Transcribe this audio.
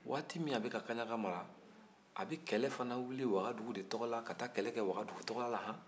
waati min na a bɛka kaɲaga mara a bɛ kɛlɛ fana wuli wagadu de tɔgɔ la ka taa kɛlɛ kɛ wagadu de tɔgɔ la han